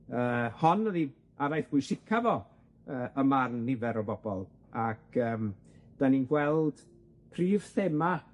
Yy hon ydi araith bwysica fo yy ym marn nifer o bobol ac yym 'dan ni'n gweld prif thema